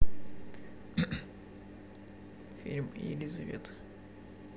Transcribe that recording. фильм елизавета